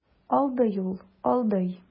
Алдый ул, алдый.